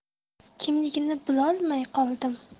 kimligini bilolmay qoldim